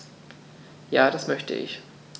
Ja, das möchte ich.